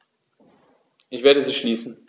Ich werde sie schließen.